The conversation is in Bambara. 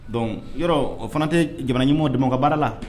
Donc yɔrɔ, o fana tɛ jamana ɲɛmɔgɔ dama ka baara la.